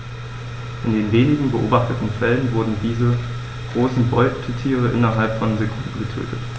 In den wenigen beobachteten Fällen wurden diese großen Beutetiere innerhalb von Sekunden getötet.